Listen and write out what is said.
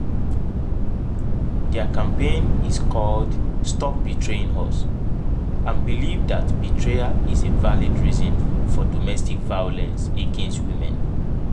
Their campaign is called "Stop Betraying Us" and believe that betrayal is a valid reason for domestic violence against women.